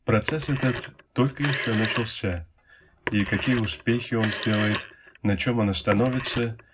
Процесс этот только что еще начался и какие успехи он сделает на чем он остановится